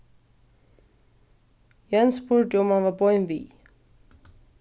jens spurdi um hann var boðin við